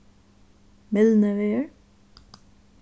mylnuvegur